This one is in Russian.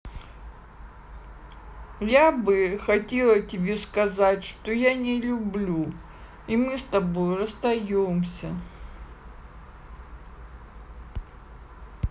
я бы хотела тебе сказать я тебя не люблю мы с тобой расстаемся